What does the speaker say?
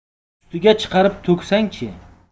ustiga chiqarib to'ksangchi